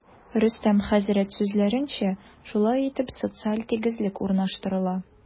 Рөстәм хәзрәт сүзләренчә, шулай итеп, социаль тигезлек урнаштырыла.